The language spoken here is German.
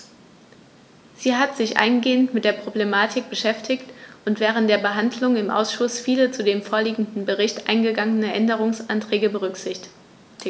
Sie hat sich eingehend mit der Problematik beschäftigt und während der Behandlung im Ausschuss viele zu dem vorliegenden Bericht eingegangene Änderungsanträge berücksichtigt.